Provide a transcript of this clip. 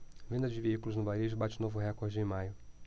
venda de veículos no varejo bate novo recorde em maio